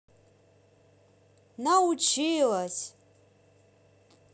научилась